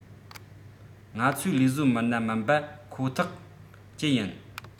ང ཚོའི ལས བཟོ མི སྣ མིན པ ཁོ ཐག བཅད ཡིན